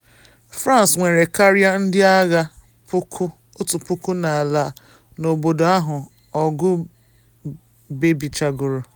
France nwere karịa ndị agha 1,000 n’ala n’obodo ahụ ọgụ mebichagoro.